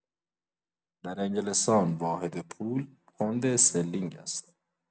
در انگلستان واحد پول پوند استرلینگ است.